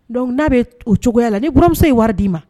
Dɔnku n'a bɛ o cogoyaya la ni gmuso ye wari d'i ma